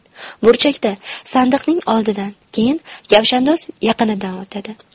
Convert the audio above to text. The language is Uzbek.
burchakda sandiqning oldidan keyin kavshandoz yaqinidan o'tadi